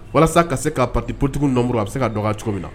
Walasa ka se kaa pati ptigiw don a bɛ se ka dɔgɔ cogo min na